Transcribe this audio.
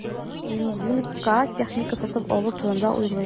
Лизингка техника сатып алу турында уйлый.